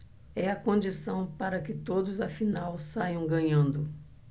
é a condição para que todos afinal saiam ganhando